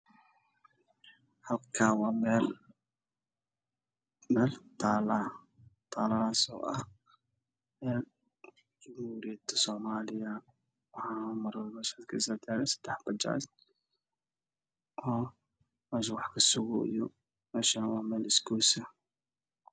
Meshan waa irid tiirar keeda waa buluug